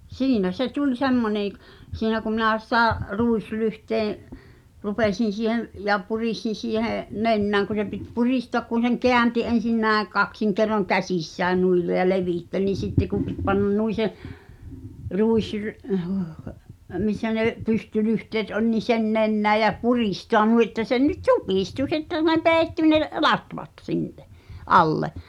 siinä se tuli semmoinen - siinä kun minä sitä ruislyhteen rupesin siihen ja puristin siihen nenään kun se piti puristua kun sen käänsi ensin näin kaksin kerroin käsissään noin - ja levitti niin sitten kun piti panna noin se - missä ne pystylyhteet oli niin sen nenään ja puristaa noin että sen nyt supistui sitten ne peittyi ne latvat sinne alle